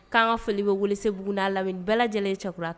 K'an ka foli bɛ wuli se bugudaa la lam bɛɛ lajɛlen cɛkura kan